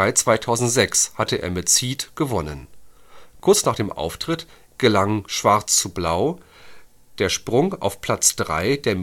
2006 hatte er mit Seeed gewonnen. Kurz nach dem Auftritt gelang Schwarz zu blau der Sprung auf Platz drei der